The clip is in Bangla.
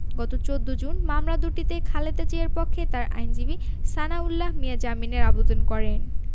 গত ১৪ জুন মামলা দুটিতে খালেদা জিয়ার পক্ষে তার আইনজীবী সানাউল্লাহ মিয়া জামিনের আবেদন করেন